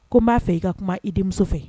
Ko n b'a fɛ i ka kuma i denmuso fɛ